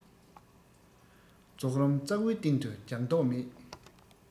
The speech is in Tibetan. མཛོག རུམ གཙག བུའི སྟེང དུ རྒྱག མདོག མེད